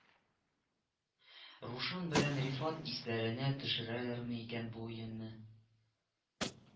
Рушан белән Рифат исләренә төшерәләрме икән бу өемне